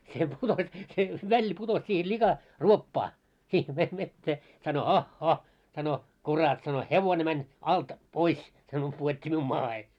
se putosi se Välli putosi siihen lika ruoppaan siihen - veteen sanoi hah hah sanoi kurat sanoi hevonen meni alta pois sanoi pudotti minun maahan